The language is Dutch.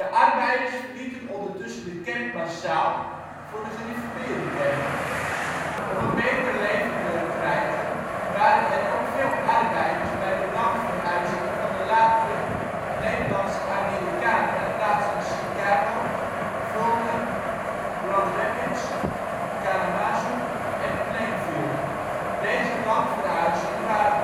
arbeiders verlieten ondertussen de kerk massaal voor de gereformeerde kerk. Om een beter leven te krijgen waren er ook veel arbeiders bij de landverhuizingen van de (latere) Nederlandse Amerikanen naar plaatsen als Chicago, Fulton, Grand Rapids, Kalamazoo en Plainfield. Deze landverhuizingen waren